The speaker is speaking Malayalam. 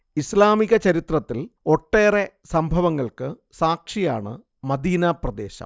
ഇസ്ലാമിക ചരിത്രത്തിൽ ഒട്ടേറെ സംഭവങ്ങൾക്ക് സാക്ഷിയാണ് മദീന പ്രദേശം